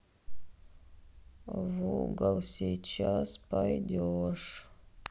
в угол сейчас пойдешь